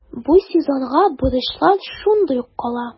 Бу сезонга бурычлар шундый ук кала.